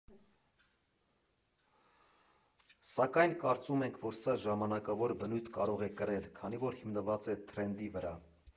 Սակայն կարծում ենք, որ սա ժամանակավոր բնույթ կարող է կրել, քանի որ հիմնված է թրենդի վրա։